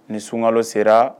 Ni sunka sera